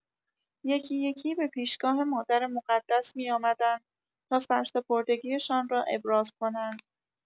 یکی‌یکی به پیشگاه مادر مقدس می‌آمدند تا سرسپردگی‌شان را ابراز کنند.